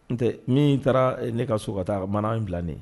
N tɛ min taara ne ka so ka taa bamanan in bilanen